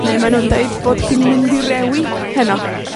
Neu mae nw'n deud bod hi'n mynd i rewi heno.